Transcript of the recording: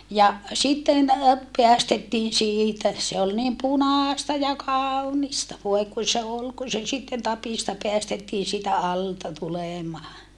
ja sitten päästettiin siitä se oli niin punaista ja kaunista voi kun se oli kun se sitten tapista päästettiin siitä alta tulemaan